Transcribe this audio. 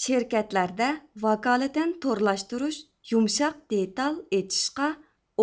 شىركەتلەردە ۋاكالىتەن تورلاشتۇرۇش يۇمشاق دېتال ئېچىشقا